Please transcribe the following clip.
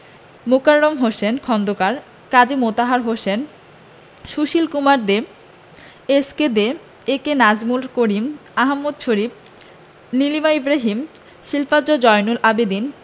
Mokarram Hossain Khondokar Kazi Motahar Hossain Sushil Kumar De S K De A K Nazmul Karim Ahmad Sharif Nilima Ibrahim Shilpacharya Zainul Abedin